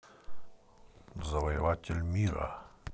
завоеватель мира